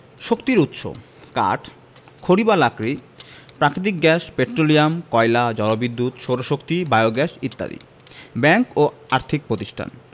শক্তির উৎসঃ কাঠ খড়ি বা লাকড়ি প্রাকৃতিক গ্যাস পেট্রোলিয়াম কয়লা জলবিদ্যুৎ সৌরশক্তি বায়োগ্যাস ইত্যাদি ব্যাংক ও আর্থিক প্রতিষ্ঠানঃ